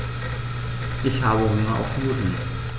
Ich habe Hunger auf Nudeln.